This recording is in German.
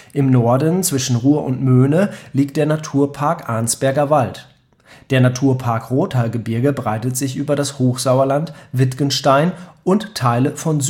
Im Norden zwischen Ruhr und Möhne liegt der Naturpark Arnsberger Wald. Der Naturpark Rothaargebirge breitet sich über das Hochsauerland, Wittgenstein und Teile von